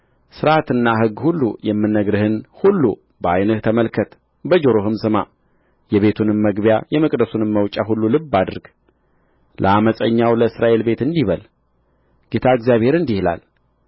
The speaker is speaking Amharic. ሥርዓትና ሕግ ሁሉ የምናገርህን ሁሉ በዓይንህ ተመልከት በጆሮህም ስማ የቤቱንም መግቢያ የመቅደሱንም መውጫ ሁሉ ልብ አድርግ ለዓመፀኛው ለእስራኤል ቤት እንዲህ በል ጌታ እግዚአብሔር እንዲህ ይላል